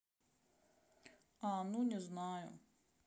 а ну не знаю